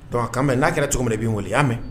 Don an n'a kɛra cogo min na b'i weele y'a mɛn